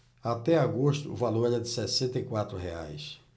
até agosto o valor era de sessenta e quatro reais